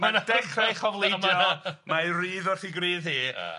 ma'n dechrau chyfleidio ma'i rydd wrth ei grydd hi, ia,